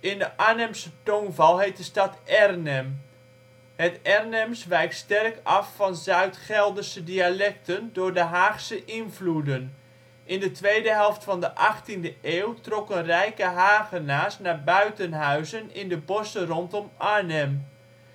In de Arnhemse tongval heet de stad Èrnem. Het Ernems wijkt sterk af van Zuid-Gelderse dialecten door de Haagse invloeden: in de tweede helft van de 18e eeuw trokken rijke Hagenaars naar buitenhuizen in de bossen rondom Arnhem.